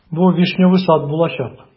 Бу "Вишневый сад" булачак.